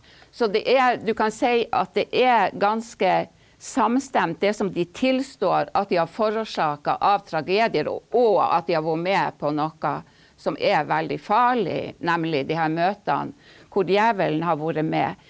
så det er du kan si at det er ganske samstemt det som de tilstår at de har forårsaka av tragedier og at de har vært med på noe som er veldig farlig, nemlig de her møtene hvor djevelen har vært med.